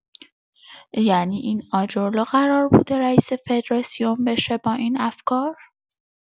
یعنی این آجرلو قرار بوده رییس فدراسیون بشه با این افکار؟